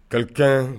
Karika